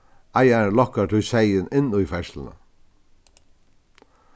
eigarin lokkar tí seyðin inn í ferðsluna